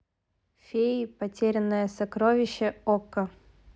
феи потерянное сокровище окко